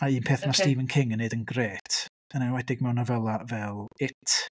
A un peth ma'... ocê. ...Stephen King yn wneud yn grêt, yn enwedig mewn nofelau fel It.